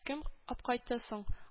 Кем апкайтты соң